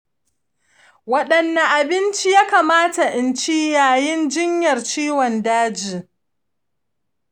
wadanne abinci ya kamata in ci yayin jinyar ciwon daji?